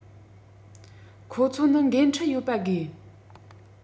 ཁོ ཚོ ནི འགན འཁྲི ཡོད པ དགོས